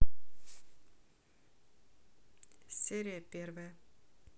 серия первая